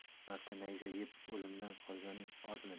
bir marta nayza yeb o'limdan qolganing ozmidi